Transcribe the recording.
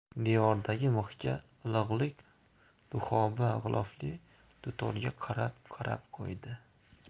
devordagi mixga ilig'lik duxoba g'ilofli dutorga qarab qarab qo'ydi